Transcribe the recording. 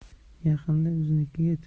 yaqinda biznikida to'y